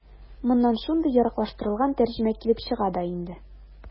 Моннан шундый яраклаштырылган тәрҗемә килеп чыга да инде.